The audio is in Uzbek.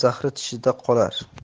zahri tishida qolar